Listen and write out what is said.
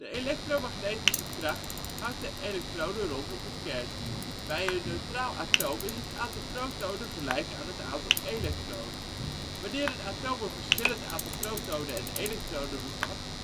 elektromagnetische kracht houdt de elektronen rondom de kern. Bij een neutraal atoom is het aantal protonen gelijk aan het aantal elektronen. Wanneer een atoom een verschillend aantal protonen en elektronen bevat